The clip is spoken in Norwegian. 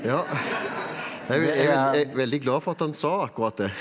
ja jeg er veldig glad for at han sa akkurat det.